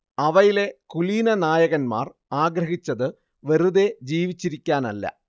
അവയിലെ കുലീന നായകന്മാർ ആഗ്രഹിച്ചത് വെറുതേ ജീവിച്ചിരിക്കാനല്ല